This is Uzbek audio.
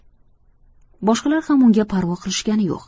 boshqalar ham unga parvo qilishgani yo'q